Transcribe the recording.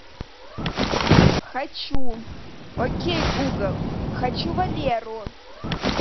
хочу окей google хочу валеру